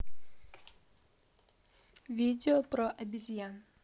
видео про обезьян